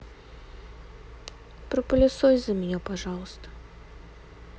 прополисось за меня пожалуйста